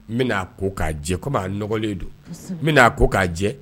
N bɛna ko k'a jɛ kɔmi n nɔgɔlen don n bɛnaa ko k'a jɛ